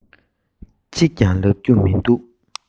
གཅིག ཀྱང ལབ རྒྱུ མི འདུག